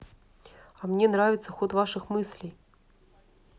а мне нравится ход ваших мыслей